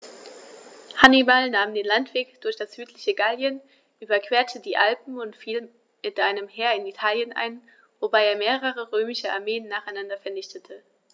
Hannibal nahm den Landweg durch das südliche Gallien, überquerte die Alpen und fiel mit einem Heer in Italien ein, wobei er mehrere römische Armeen nacheinander vernichtete.